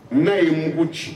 Ne ye mun mugu ci